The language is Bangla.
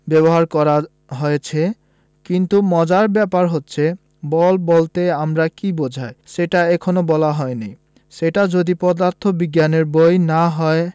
ব্যবহার করা হয়েছে কিন্তু মজার ব্যাপার হচ্ছে বল বলতে আমরা কী বোঝাই সেটা এখনো বলা হয়নি এটা যদি পদার্থবিজ্ঞানের বই না হয়ে